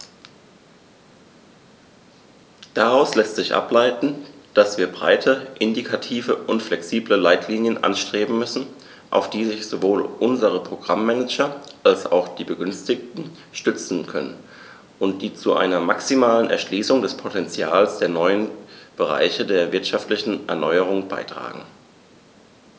Daraus lässt sich ableiten, dass wir breite, indikative und flexible Leitlinien anstreben müssen, auf die sich sowohl unsere Programm-Manager als auch die Begünstigten stützen können und die zu einer maximalen Erschließung des Potentials der neuen Bereiche der wirtschaftlichen Erneuerung beitragen.